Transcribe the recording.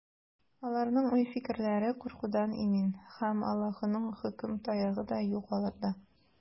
Аларның уй-фикерләре куркудан имин, һәм Аллаһының хөкем таягы да юк аларга.